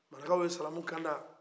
marakaw ye salamu kanda